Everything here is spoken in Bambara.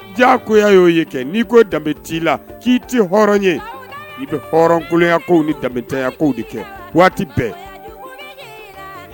Jaa koya y'o ye kɛ n'i ko danbe t' i la k'i tɛ hɔrɔn ye i bɛya ko ni danbetanya ko de kɛ waati bɛɛ